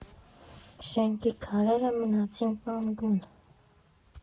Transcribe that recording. Շենքի քարերը մնացին կանգուն։